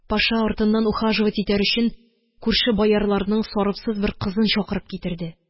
Паша артыннан ухаживать итәр өчен, күрше боярларның сарыпсыз бер кызын чакырып китерде